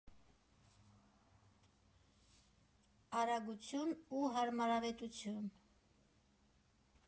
Արագություն ու հարմարավետություն։